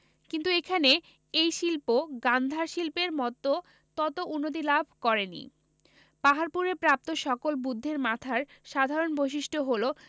কিন্তু এখানে এই শিল্প গান্ধার শিল্পের মত তত উন্নতি লাভ করে নি পাহাড়পুরে প্রাপ্ত সকল বুদ্ধের মাথার সাধারণ বৈশিষ্ট্য হলো